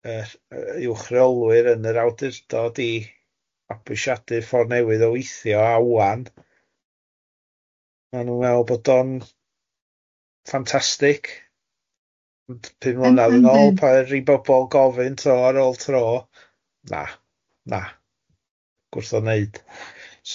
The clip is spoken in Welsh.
Yr yy uwch reolwyr yn yr awdurdod i fabwysiadu ffordd newydd o weithio, a ŵan maen nhw'n meddwl bod o'n ffantastic, ond pum mlynedd yn ôl paid i bobl gofyn tibod ar ôl tro, na, na, gwrtho neud. So